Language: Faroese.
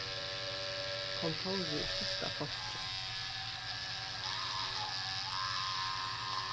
kontórið er fult av fólki